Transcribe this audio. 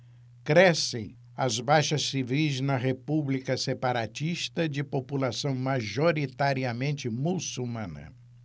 crescem as baixas civis na república separatista de população majoritariamente muçulmana